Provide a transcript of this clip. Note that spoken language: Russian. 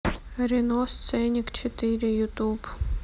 рено сценик четыре ютуб